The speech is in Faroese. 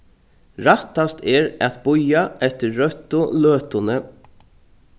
rættast er at bíða eftir røttu løtuni